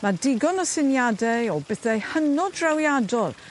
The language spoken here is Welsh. ma' digon o syniadau o bethau hanod drawiadol